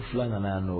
Fula nana yan nɔ